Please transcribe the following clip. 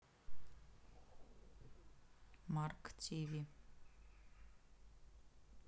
марк тиви